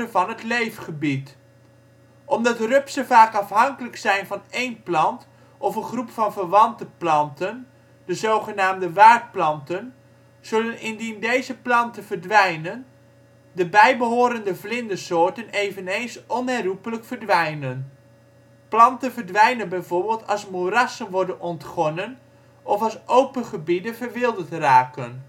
van het leefgebied. Omdat rupsen vaak afhankelijk zijn van één plant of een groep van verwante planten, de zogenaamde waardplanten zullen indien deze planten verdwijnen, de bijbehorende vlindersoorten eveneens onherroepelijk verdwijnen. Planten verdwijnen bijvoorbeeld als moerassen worden ontgonnen of als open gebieden verwilderd raken